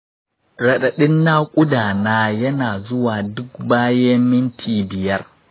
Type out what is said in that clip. raɗaɗdin naƙuda na yana zuwa duk bayan minti biyar.